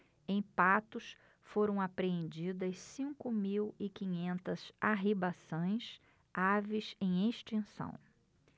em patos foram apreendidas cinco mil e quinhentas arribaçãs aves em extinção